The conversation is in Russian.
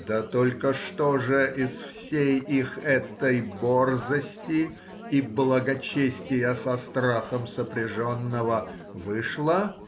Да только что же из всей их этой борзости и благочестия со страхом сопряженного вышло?